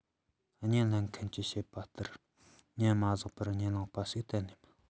བརྙན ལེན མཁན གྱིས བཤད པ ལྟར མཉམ མ བཞག པར བརྙན བླངས པ གཏན ནས མིན